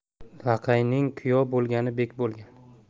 laqayning kuyov bo'lgani bek bo'lgani